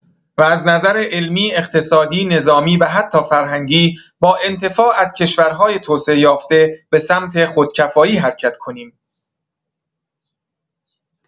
و از نظر علمی اقتصادی نظامی و حتی فرهنگی با انتفاع از کشورهای توسعۀافته به سمت خود کفایی حرکت کنیم.